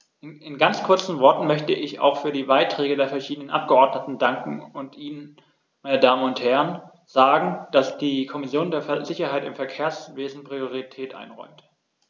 In ganz kurzen Worten möchte ich auch für die Beiträge der verschiedenen Abgeordneten danken und Ihnen, meine Damen und Herren, sagen, dass die Kommission der Sicherheit im Verkehrswesen Priorität einräumt.